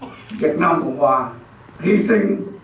việt nam cộng hòa hy sinh